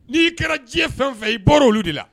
N'i'i kɛra diɲɛ fɛn fɛ i bɔra olu de la.